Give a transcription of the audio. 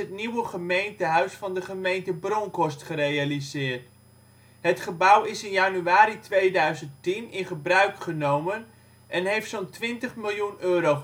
nieuwe gemeentehuis van de gemeente Bronckhorst gerealiseerd. Het gebouw is in januari 2010 in gebruik genomen en heeft zo 'n zo 'n 20 miljoen euro gekost